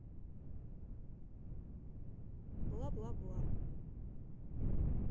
бла бла бла